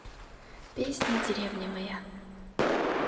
песня деревня моя